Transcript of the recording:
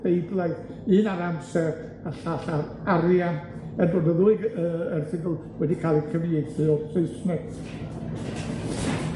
Beiblaidd, un ar amser a llall ar arian, er bod y ddwy g- yy yy erthygl wedi ca'l 'u cyfieithu o Saesneg.